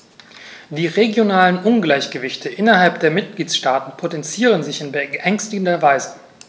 Die regionalen Ungleichgewichte innerhalb der Mitgliedstaaten potenzieren sich in beängstigender Weise.